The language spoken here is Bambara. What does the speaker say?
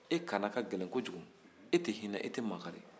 e kana ka gɛlɛn kojugu e tɛ hinɛ e tɛ makari